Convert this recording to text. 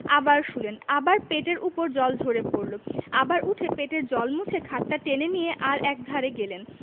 আবার শুলেন আবার পেটের উপর জল ঝরে পড়ল আবার উঠে পেটের জল মুছে খাটটা টেনে নিয়ে আর একধারে গেলেন